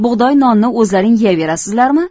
bug'doy nonni o'zlaring yeyaverasizlarmi